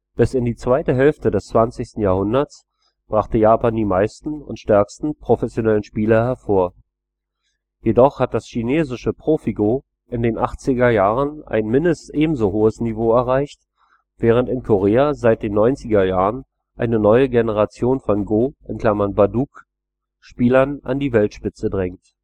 Bis in die zweite Hälfte des 20. Jahrhunderts brachte Japan die meisten und stärksten professionellen Spieler hervor. Jedoch hat das chinesische Profi-Go in den achtziger Jahren ein mindestens ebenso hohes Niveau erreicht, während in Korea seit den neunziger Jahren eine neue Generation von Go (Baduk) Spielern an die Weltspitze drängt